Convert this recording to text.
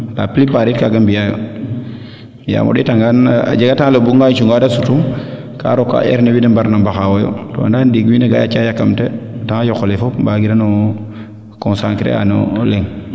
la plus part it kaaga mbiya yo yaam o ndeeta ngaa a jega temps le o buga ngaan cunga te sutu kaa roka heure ne wiin we mbarna mbaxawo yo to anda ye ndiing wiine gaa yaaca yakamte temps yoqoel fop mbagirano consacrer a no leŋ